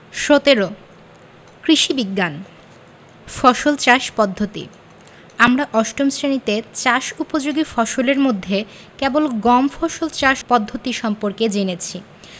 ১৭ কৃষি বিজ্ঞান ফসল চাষ পদ্ধতি আমরা অষ্টম শ্রেণিতে চাষ উপযোগী ফসলের মধ্যে কেবল গম ফসল চাষ পদ্ধতি সম্পর্কে জেনেছি